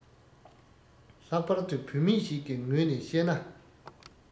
ལྷག པར དུ བུད མེད ཞིག གི ངོས ནས གཤས ན